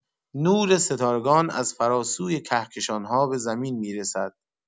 نور ستارگان از فراسوی کهکشان‌ها به زمین می‌رسد.